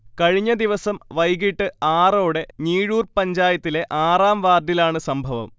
കഴിഞ്ഞദിവസം വൈകീട്ട് ആറോടെ ഞീഴൂർ പഞ്ചായത്തിലെ ആറാം വാർഡിലാണ് സംഭവം